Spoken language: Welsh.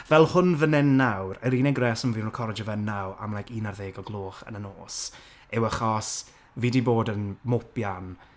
Fel hwn fan 'yn nawr, yr unig reswm fi'n recordio fe nawr am like unarddeg o'r gloch, yn y nos, yw achos fi 'di bod yn mowpian.